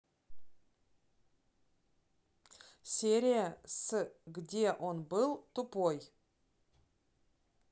серия с где он был тупой